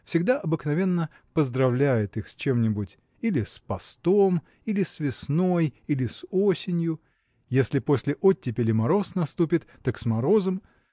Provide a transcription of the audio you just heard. всегда обыкновенно поздравляет их с чем-нибудь или с постом или с весной или с осенью если после оттепели мороз наступит так с морозом